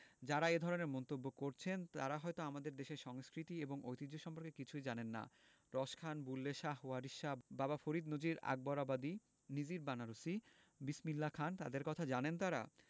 যাঁরা এ ধরনের মন্তব্য করছেন তাঁরা হয়তো আমাদের দেশের সংস্কৃতি এবং ঐতিহ্য সম্পর্কে কিছুই জানেন না রস খান বুল্লে শাহ ওয়ারিশ শাহ বাবা ফরিদ নজির আকবরাবাদি নিজির বানারসি বিসমিল্লা খান তাঁদের কথা জানেন তাঁরা